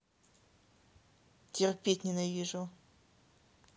терпеть ненавижу